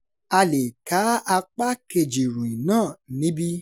O leè ká apá kejì ìròyìn náà níbí.